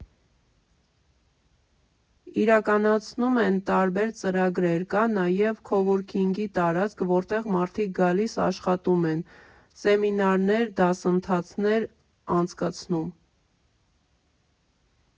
Իրականացնում են տարբեր ծրագրեր, կա նաև քովորքինգի տարածք, որտեղ մարդիկ գալիս աշխատում են, սեմինարներ և դասընթացներ անցկացվում։